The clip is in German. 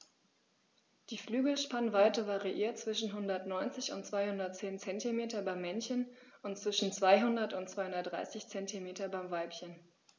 Die Flügelspannweite variiert zwischen 190 und 210 cm beim Männchen und zwischen 200 und 230 cm beim Weibchen.